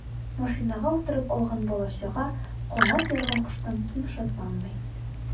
Машинага утырып алган бала-чага канат ярган коштан ким шатланмый.